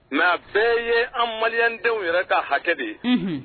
Nka bɛɛ ye an mali denw yɛrɛ ka hakɛ de ye